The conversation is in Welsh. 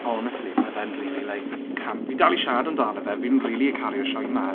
Honestly mae fe'n rili like camp- fi dal i siarad amdano fe. Fi'n rili caru y sioe 'ma.